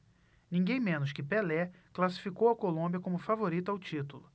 ninguém menos que pelé classificou a colômbia como favorita ao título